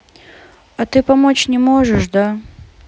а ты помочь не можешь да